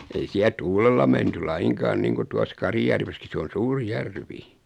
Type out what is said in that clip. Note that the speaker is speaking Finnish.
ei siellä tuulella menty lainkaan niin kuin tuossa Karhijärvessäkin se on suuri järvi